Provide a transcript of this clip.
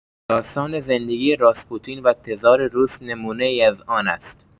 داستان زندگی راسپوتین و تزار روس نمونه‌ای از آن است.